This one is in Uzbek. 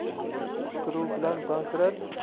chuchkuruv bilan jon kirar